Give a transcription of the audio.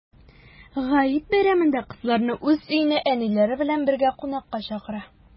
Гает бәйрәмендә кызларны уз өенә әниләре белән бергә кунакка чакыра.